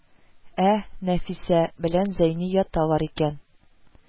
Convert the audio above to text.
Ә, Нәфисә белән Зәйни яталар икән